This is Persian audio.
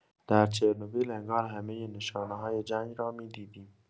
در چرنوبیل انگار همۀ نشانه‌های جنگ را می‌دیدیم.